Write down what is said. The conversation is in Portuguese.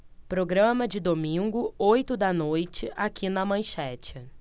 programa de domingo oito da noite aqui na manchete